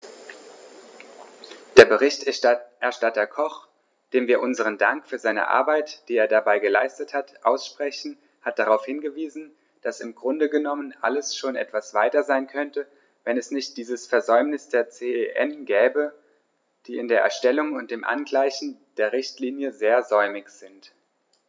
Der Berichterstatter Koch, dem wir unseren Dank für seine Arbeit, die er dabei geleistet hat, aussprechen, hat darauf hingewiesen, dass im Grunde genommen alles schon etwas weiter sein könnte, wenn es nicht dieses Versäumnis der CEN gäbe, die in der Erstellung und dem Angleichen der Richtlinie sehr säumig sind.